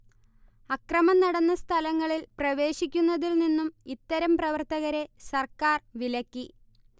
അക്രമം നടന്ന സ്ഥലങ്ങളിൽ പ്രവേശിക്കുന്നതിൽ നിന്നും ഇത്തരം പ്രവർത്തകരെ സർക്കാർ വിലക്കി